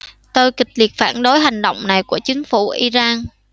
tôi kịch liệt phản đối hành động này của chính phủ iran